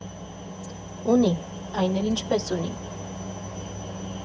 Ունի՝ այն էլ ինպես ունի։